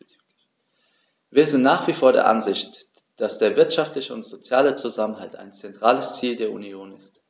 Wir sind nach wie vor der Ansicht, dass der wirtschaftliche und soziale Zusammenhalt ein zentrales Ziel der Union ist.